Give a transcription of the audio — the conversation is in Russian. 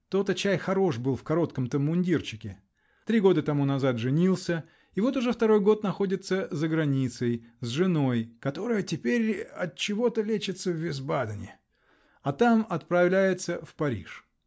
то-то, чай, хорош был в коротком-то мундирчике!), три года тому назад женился -- и вот уже второй год находится за границей с женой, "которая теперь от чего-то лечится в Висбадене", -- а там отправляется в Париж.